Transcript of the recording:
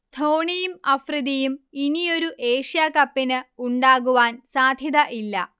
ധോണിയും അഫ്രിദിയും ഇനിയൊരു ഏഷ്യാ കപ്പിന് ഉണ്ടാകുവാൻ സാധ്യത ഇല്ല